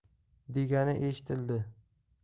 degani eshitildi